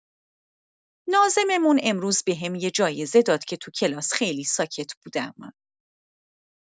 ناظم‌مون امروز بهم یه جایزه داد که تو کلاس خیلی ساکت بودم.